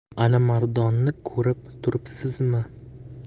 alimardonni ko'rib turibsizmi